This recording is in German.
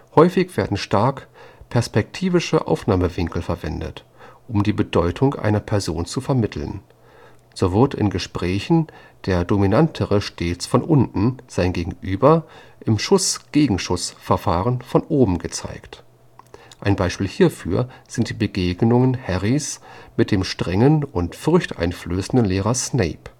Häufig werden stark perspektivische Aufnahmewinkel verwendet, um die Bedeutung einer Person zu vermitteln. So wird in Gesprächen der Dominantere stets von unten, sein Gegenüber im Schuss-Gegenschuss-Verfahren von oben gezeigt. Ein Beispiel hierfür sind die Begegnungen Harrys mit dem strengen und furchteinflößenden Lehrer Snape